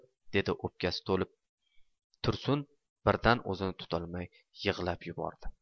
dedi o'pkasi to'lib tursun va birdan o'zini tutolmay yig'lab yubordi